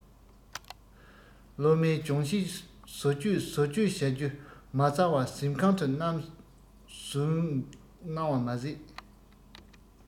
སློབ མའི སྦྱོང གཞི བཟོ བཅོས བཟོ བཅོས བྱ རྒྱུ མ ཚར བ གཟིམ ཁང དུ བསྣམས བཟོས གནང བ མ ཟད